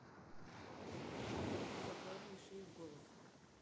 сафаэль мишиев голос